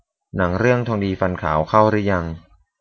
หนังเรื่องทองดีฟันขาวเข้ารึยัง